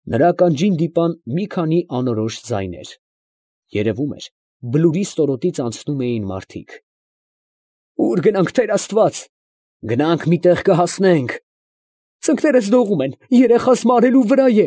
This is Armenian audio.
Նրա ականջին դիպան մի քանի անորոշ ձայներ. երևում էր, բլուրի ստորոտից անցնում էին մարդիկ։ ֊ Ո՞ւր գնանք… տե՛ր աստված…։ ֊ Գնանք… մի տեղ կհասնենք… ֊ Ծնկներս դողում են… երեխաս մարելու վրա։